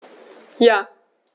Ja.